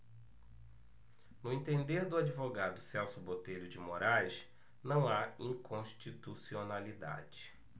no entender do advogado celso botelho de moraes não há inconstitucionalidade